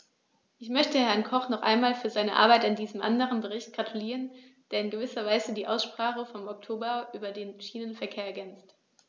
Ich möchte Herrn Koch noch einmal für seine Arbeit an diesem anderen Bericht gratulieren, der in gewisser Weise die Aussprache vom Oktober über den Schienenverkehr ergänzt.